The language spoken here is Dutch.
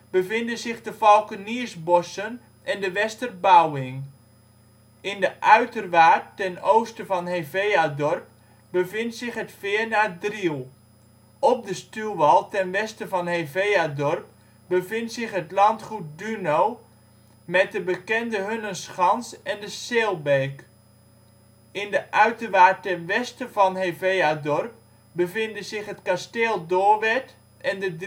bevinden zich de Valkeniersbossen en de Westerbouwing. In de uiterwaard ten oosten van Heveadorp bevindt zich het veer naar Driel. Op de stuwwal ten westen van Heveadorp bevindt zich het Landgoed Duno met de bekende Hunnenschans en de Seelbeek. In de uiterwaard ten westen van Heveadorp bevinden zich het Kasteel Doorwerth en de